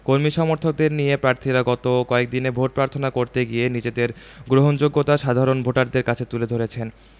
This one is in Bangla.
কর্মী সমর্থকদের নিয়ে প্রার্থীরা গত কয়েক দিনে ভোট প্রার্থনা করতে গিয়ে নিজেদের গ্রহণযোগ্যতা সাধারণ ভোটারদের কাছে তুলে ধরেছেন